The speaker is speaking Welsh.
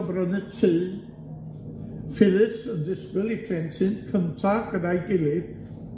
o brynu tŷ, Phyllis yn ddisgwyl 'i plentyn cynta gyda'i gilydd,